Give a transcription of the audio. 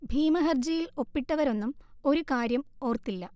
ഭീമ ഹർജിയിൽ ഒപ്പിട്ടവരൊന്നും ഒരു കാര്യം ഓര്‍ത്തില്ല